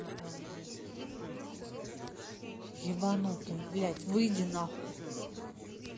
ебанутая блядь выйди нахуй